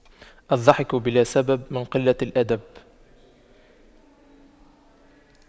الضحك بلا سبب من قلة الأدب